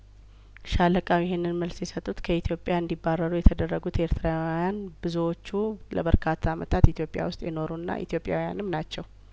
ሻለቃው ይህንን መልስ የሰጡት ከኢትዮጵያ እንዲባረሩ የተደረጉት ኤርትራዋያን ቡዙዎቹ ለበርካታ አመታት ኢትዮጵያ ውስጥ የኖሩና ኢትዮጵያውያንም ናቸው